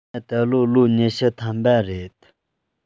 ང ད ལོ ལོ ཉི ཤུ ཐམ པ རེད